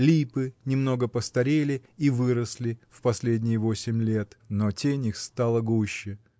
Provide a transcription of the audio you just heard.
липы немного постарели и выросли в последние восемь лет, тень их стала гуще